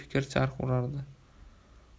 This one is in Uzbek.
charx urardi